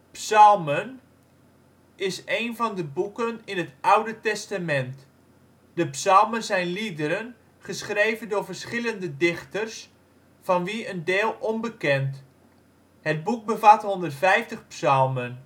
Psalmen (Hebreeuws: תהילים) is een van de boeken in het Oude Testament. De psalmen zijn liederen, geschreven door verschillende dichters, van wie een deel onbekend. Het boek bevat 150 psalmen